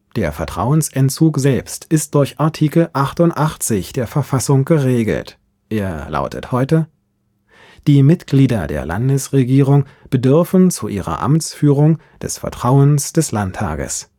Der Vertrauensentzug selbst ist durch Artikel 88 (bis 1979: Artikel 90) der Verfassung geregelt. Er lautet heute: (1) Die Mitglieder der Landesregierung bedürfen zu ihrer Amtsführung des Vertrauens des Landtages